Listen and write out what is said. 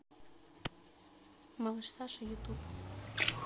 малыш саша ютуб